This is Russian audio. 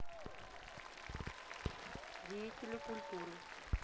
деятели культуры